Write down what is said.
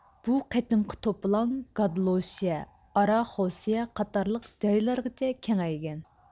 بۇ قېتىمقى توپىلاڭ گادلوشىيە ئاراخوسىيە قاتارلىق جايلارغىچە كېڭەيگەن